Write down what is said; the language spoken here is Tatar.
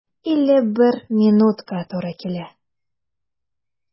51 минутка туры килә.